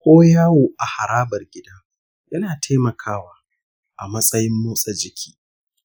ko yawo a harabar gida yana taimakawa a matsayin motsa jiki.